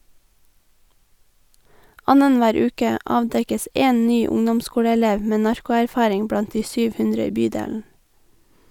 Annenhver uke avdekkes én ny ungdomsskoleelev med narko-erfaring blant de 700 i bydelen.